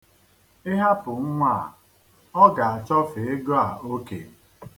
Ị hapụ nnwa a, ọ ga-achọfe ego a oke.